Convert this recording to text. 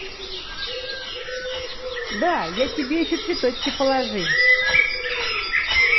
да я тебе еще цветочки положи